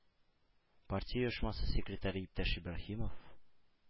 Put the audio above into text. Партия оешмасы секретаре иптәш Ибраһимов